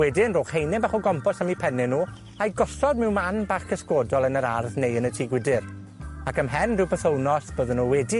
Wedyn rowch haenen bach o gompos am 'u penne nw, a'u gosod mewn man bach cysgodol yn yr ardd neu yn y tŷ gwydyr, ac ymhen rhyw bythownos, bydden nw wedi